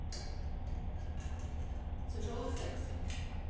тяжелый секс